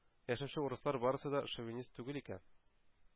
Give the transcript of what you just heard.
Яшәүче урыслар барысы да шовинист түгел икән.